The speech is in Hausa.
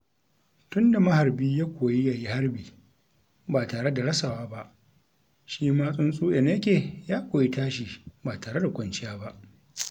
Tun da maharbi ya koyi ya yi harbi ba tare da rasawa ba, shi ma tsuntsu Eneke ya koyi tashi ba tare da kwanciya ba.